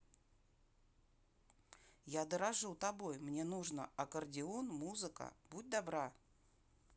я дорожу тобой мне нужно аккордеон музыка будь добра